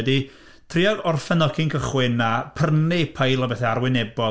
Ydy, trio orffen o cyn cychwyn, a prynu peil o bethau arwynebol...